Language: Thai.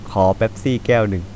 ขอเป็ปซี่แก้วหนึ่ง